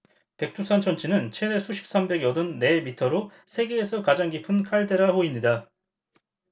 백두산 천지는 최대 수심 삼백 여든 네 미터로 세계에서 가장 깊은 칼데라 호입니다